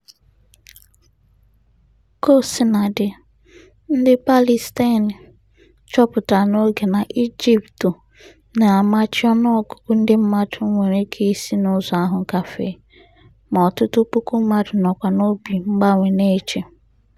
Kaosinadị, ndị Palestine chọpụtara n'oge na Egypt na-amachi ọnụọgụgụ ndị mmadụ nwere ike isi n'ụzọ ahụ gafee, ma ọtụtụ puku mmadụ nọkwa n'obi mgbawa na-eche.